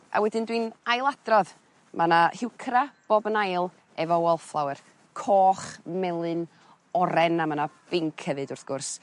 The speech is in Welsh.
A wedyn dwi'n ailadrodd ma' 'na heuchera bob yn ail efo wallflower coch melyn oren a ma' 'na binc hefyd wrth gwrs